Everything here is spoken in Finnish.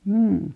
mm